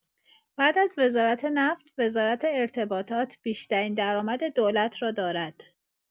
بعد از وزارت نفت، وزارت ارتباطات بیشترین درآمد دولت را دارد.